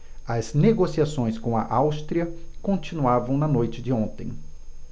as negociações com a áustria continuavam na noite de ontem